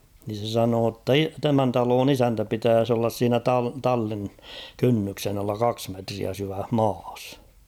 niin se sanoi jotta - tämän talon isäntä pitäisi olla siinä - tallin kynnyksen alla kaksi metriä syvässä maassa